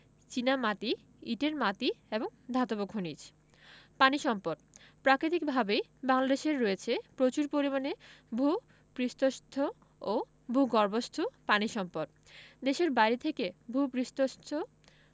চীনামাটি ইটের মাটি এবং ধাতব খনিজ পানি সম্পদঃ প্রাকিতিকভাবেই বাংলাদেশের রয়েছে প্রচুর পরিমাণে ভূ পৃষ্ঠস্থ ও ভূগর্ভস্থ পানি সম্পদ দেশের বাইরে থেকে ভূ পৃষ্ঠস্থ